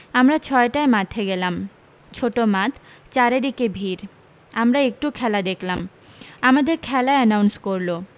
আমরা ছয়টায় মাঠে গেলাম ছোটো মাঠ চারি দিকে ভিড় আমরা একটু খেলা দেখলাম আমাদের খেলা অ্যানাউন্স করল